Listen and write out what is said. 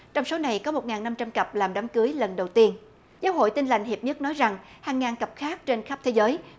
trong số này có một ngàn năm trăm cặp làm đám cưới lần đầu tiên giáo hội tin lành hiệp nhất nói rằng hàng ngàn cặp khác trên khắp thế giới